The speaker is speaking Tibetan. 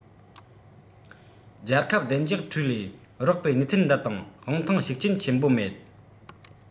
རྒྱལ ཁབ བདེ འཇགས ཁྲུའུ ལས རོགས པའི ནུས ཚད འདི དང དབང ཐང ཤུགས རྐྱེན ཆེན པོ མེད